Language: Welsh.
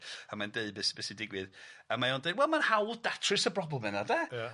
A mae'n deud be- s- be- sy'n digwydd a mae o'n deud wel ma'n hawdd datrys y broblem yna de. Ia.